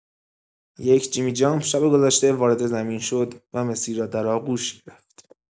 یک جیمی جامپ شب گذشته وارد زمین شد و مسی را در آغوش گرفت.